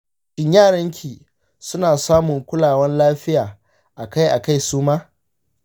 shin yaranki suna samun kulawan lafiya akai akai su ma?